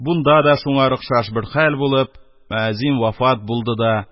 Бунда да шуңар охшаш бер хәл булып, мөәзин вафат булды да,